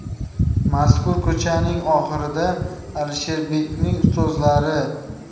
mazkur ko'chaning oxirida alisherbekning ustozlari